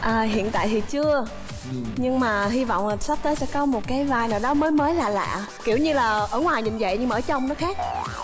à hiện tại thì chưa nhưng mà hy vọng là sắp tới sẽ có một cái vai nào đó mới mới lạ lạ kiểu như là ở ngoài nhìn vậy nhưng mà ở trong nó khác